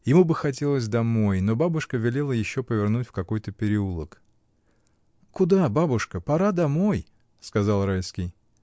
Ему бы хотелось домой; но бабушка велела еще повернуть в какой-то переулок. — Куда, бабушка? Пора домой, — сказал Райский.